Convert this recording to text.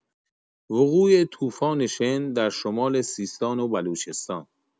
وقوع توفان شن در شمال سیستان و بلوچستان